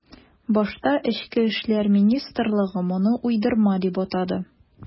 Башта эчке эшләр министрлыгы моны уйдырма дип атады.